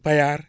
Payar